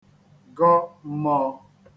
gọ mmọ̄ō